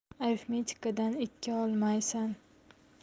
arifmetikadan ikki olmaysan